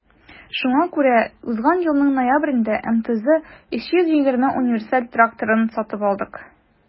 Шуңа күрә узган елның ноябрендә МТЗ 320 универсаль тракторын сатып алдык.